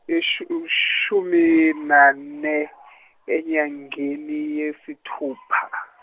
ishu- ishumi nane enyangeni yesithupha.